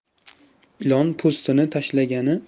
ilon po'stini tashlagani